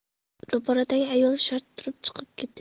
ro'paradagi ayol shart turib chiqib ketdi